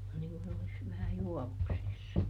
on niin kuin olisi vähän juovuksissa